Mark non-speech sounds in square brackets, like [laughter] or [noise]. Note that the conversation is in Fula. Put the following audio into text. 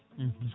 [hesitation] [hesitation]